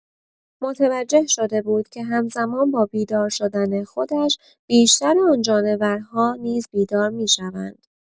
متوجه شده بود که هم‌زمان با بیدار شدن خودش، بیشتر آن جانورها نیز بیدار می‌شوند.